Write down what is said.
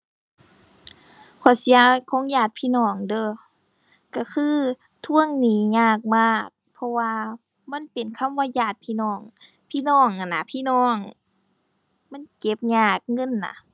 ข้อเสียของญาติพี่น้องเด้อ ก็คือทวงหนี้ยากมาก เพราะว่ามันเป็นคำว่าญาติพี่น้อง พี่น้องหั้นน่ะพี่น้อง มันเก็บยาก เงินน่ะ